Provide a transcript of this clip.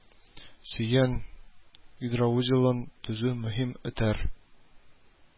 Сөян гидроузелын төзү мөһим этәр